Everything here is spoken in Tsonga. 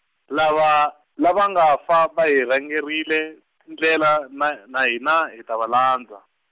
lava, lava nga fa va hi rhangerile, ndlela na, na hina hi ta landza.